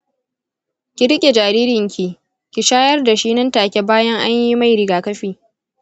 ki riƙe jaririn ki, ki shayar da shi nan take bayan anyi mai rigakafi .